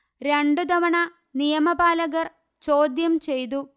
രണ്ടുതവണ നിയമപാലകർ ചോദ്യം ചെയ്തു